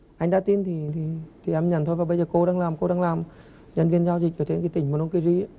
anh đã tin thì thì thì em nhận thôi và bây giờ cô đang làm cô đang làm nhân viên giao dịch ở trên cái tỉnh mun đun ki ri á